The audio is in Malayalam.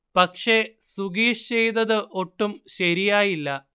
പക്ഷേ സുഗീഷ് ചെയ്തത് ഒട്ടും ശരിയായില്ല